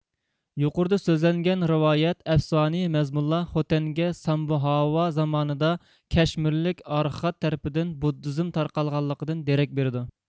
يۇقىرىدا سۆزلەنگەن رىۋايەت ئەپسانىۋى مەزمۇنلار خوتەنگە سامبھاۋا زامانىدا كەشمىرلىك ئارخات تەرىپىدىن بۇددىزم تارقالغانلىقىدىن دېرەك بېرىدۇ